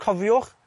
Cofiwch